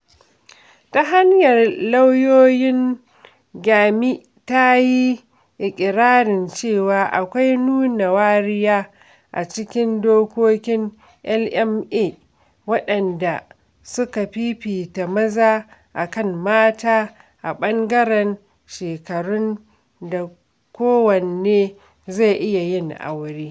Ta hanyar lauyoyinta, Gyumi ta yi iƙirararin cewa akwai nuna wariya a cikin dokokin LMA waɗanda suka fifita maza a kan mata a ɓangaren shekarun da kowanne zai iya yin aure.